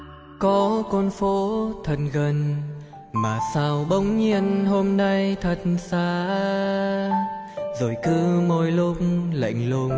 có con phố thật gần mà sao bỗng nhiên hôm nay thật xa rồi cứ mỗi lúc lạnh lùng